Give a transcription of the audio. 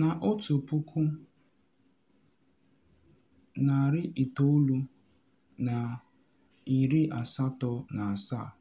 Na 1987,